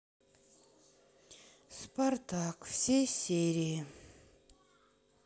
спартак все серии